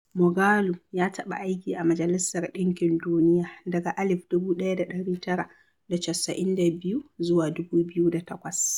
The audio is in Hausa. Moghalu ya taɓa aiki a Majalisar ɗinkin Duniya daga 1992 zuwa 2008.